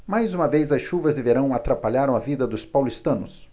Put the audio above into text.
mais uma vez as chuvas de verão atrapalharam a vida dos paulistanos